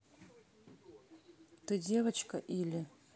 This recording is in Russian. ты девочка или